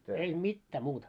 ei mitään muuta